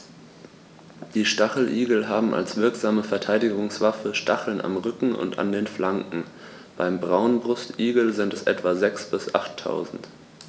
Die Stacheligel haben als wirksame Verteidigungswaffe Stacheln am Rücken und an den Flanken (beim Braunbrustigel sind es etwa sechs- bis achttausend).